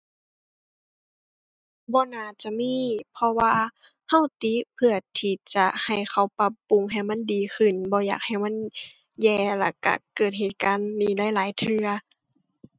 บ่น่าจะมี เพราะว่าเราติเพื่อที่จะให้เขาปรับปรุงให้มันดีขึ้น บ่อยากให้มันแย่ แล้วเราเกิดเหตุการณ์นี้หลายหลายเทื่อ